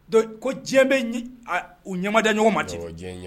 Don ko diɲɛ bɛ ɲamadenɲɔgɔn ma cɛ diɲɛ ye